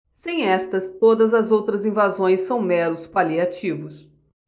sem estas todas as outras invasões são meros paliativos